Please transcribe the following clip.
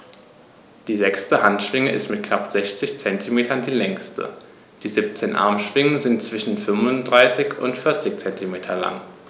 Die sechste Handschwinge ist mit knapp 60 cm die längste. Die 17 Armschwingen sind zwischen 35 und 40 cm lang.